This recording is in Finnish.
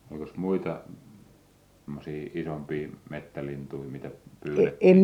olikos muita semmoisia isompia metsälintuja mitä pyydettiin